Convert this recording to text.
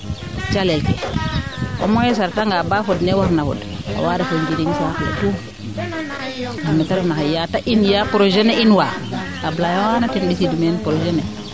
calel ke o moins a reta nga baa fod neete warna fod awaa ref o njiriñ saax le tout ndaa meete refna xaye yaa te in yaa projet ne in waa Ablaye xaana ten mbissidu in projet ne